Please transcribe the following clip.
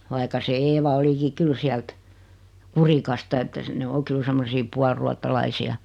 vaikka se Eeva olikin kyllä sieltä Kurikasta että se ne on kyllä semmoisia puoliruotsalaisia